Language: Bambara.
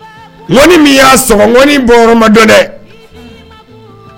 Ŋɔni min y'a sɔgɔ ŋɔni in bɔ yɔrɔ ma dɔn dɛ